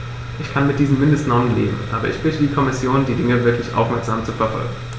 Ich kann mit diesen Mindestnormen leben, aber ich bitte die Kommission, die Dinge wirklich aufmerksam zu verfolgen.